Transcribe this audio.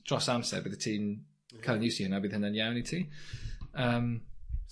dros amser bydde ti'n ca'l iwst i hwnna bydd hwnna'n iawn it yym